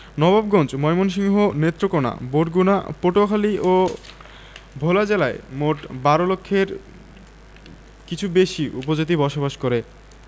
নবাবগঞ্জ ময়মনসিংহ নেত্রকোনা বরগুনা পটুয়াখালী ও ভোলা জেলায় মোট ১২ লক্ষের কিছু বেশি উপজাতি বসবাস করে